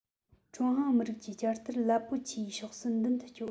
ཀྲུང ཧྭ མི རིགས ཀྱི བསྐྱར དར རླབས པོ ཆེའི ཕྱོགས སུ མདུན དུ བསྐྱོད